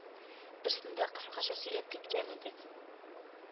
Берсендә кыскача сөйләп киткән идек